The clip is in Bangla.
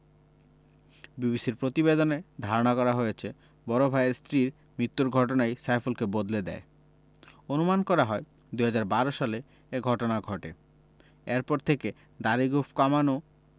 বিবিসির প্রতিবেদনে ধারণা করা হয়েছে বড় ভাইয়ের স্ত্রীর মৃত্যুর ঘটনাই সাইফুলকে বদলে দেয় অনুমান করা হয় ২০১২ সালে এ ঘটনা ঘটে এরপর থেকে দাড়ি গোঁফ কামানো